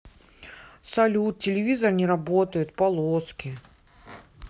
салют телевизор не работает полоски